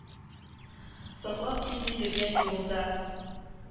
Саклап килде йөргән юлымда.